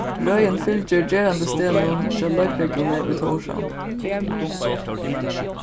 røðin fylgir gerandisdegnum hjá løgregluni í tórshavn